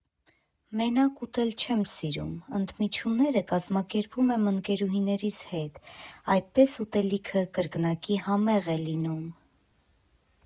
Մենակ ուտել չեմ սիրում, ընդմիջումները կազմակերպում եմ ընկերուհիներիս հետ, այդպես ուտելիքը կրկնակի համեղ է լինում։